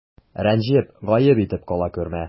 Рәнҗеп, гаеп итеп кала күрмә.